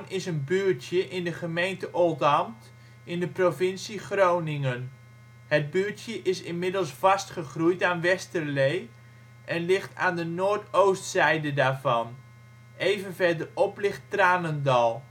is een buurtje in de gemeente Oldambt in de provincie Groningen. Het buurtje is inmiddels vastgegroeid aan Westerlee, en ligt aan de noord-oostzijde daarvan. Even verderop ligt Tranendal